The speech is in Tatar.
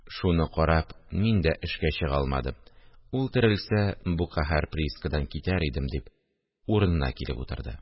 Шуны карап, мин дә эшкә чыга алмадым, ул терелсә, бу каһәр приискадан китәр идем, – дип, урынына килеп утырды